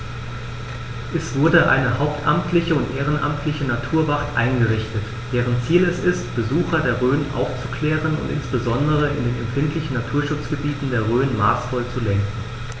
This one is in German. Es wurde eine hauptamtliche und ehrenamtliche Naturwacht eingerichtet, deren Ziel es ist, Besucher der Rhön aufzuklären und insbesondere in den empfindlichen Naturschutzgebieten der Rhön maßvoll zu lenken.